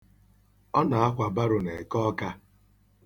Ọ na-akwa baro n'Eke Ọka.